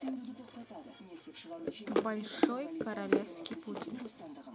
большой королевский пудель